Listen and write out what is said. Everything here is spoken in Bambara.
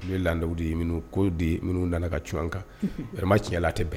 U ye landaw de ye minnu ko y de ye minnu nana ka cun an kan unhun vraiment tiɲɛla a tɛ bɛn